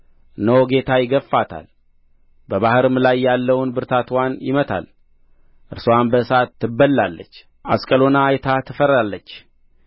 እነሆ ጌታ ይገፍፋታል በባሕርም ላይ ያለውን ብርታትዋን ይመታል እርስዋም በእሳት ትበላለች አስቀሎና አይታ ትፈራለች